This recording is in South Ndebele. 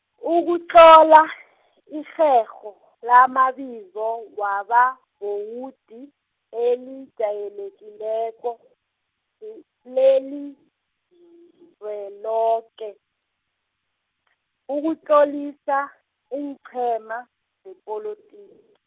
ukutlola irherho lamabizo wabavowudi, elijayelekileko, e- leliZweloke, ukutlolisa, iinqhema, zepoloti-.